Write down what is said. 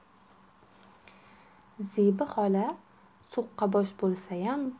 zebi xola so'qqabosh bo'lsayam